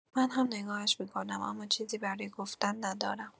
من هم نگاهش می‌کنم، اما چیزی برای گفتن ندارم.